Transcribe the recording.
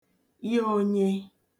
ya onye